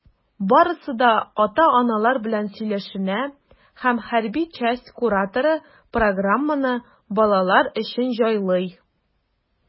Барысы да ата-аналар белән сөйләшенә, һәм хәрби часть кураторы программаны балалар өчен җайлый.